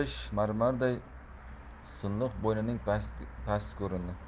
yu qizg'ish marmarday silliq bo'ynining pasti ko'rindi